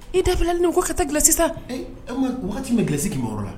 I da filalen min ko ka taa gla sisan sisan waati bɛ gsi kiba la